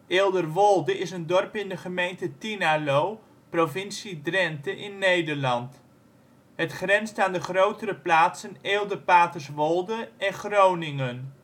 Eelderwolde is een dorp in de gemeente Tynaarlo, provincie Drenthe (Nederland). Het grenst aan de grotere plaatsen Eelde-Paterswolde en Groningen